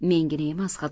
mengina emas